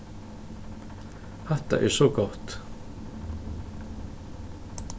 hatta er so gott